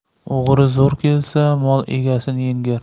o'g'ri zo'r kelsa mol egasini yengar